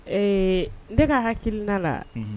Ee ne ka hakilila la